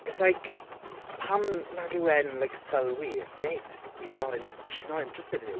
It's like pam nag yw e'n like sylwi mate he's not int- she's not interested in you.